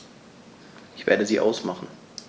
Ich werde sie ausmachen.